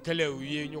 Kɛlɛ u ye ɲɔgɔn